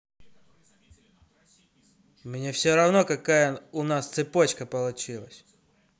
мне все равно какая у нас цепочка получилась